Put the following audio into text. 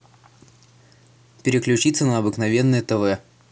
переключиться на обыкновенное тв